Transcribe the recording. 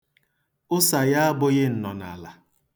Ụsa ya abụghị nnọnaala.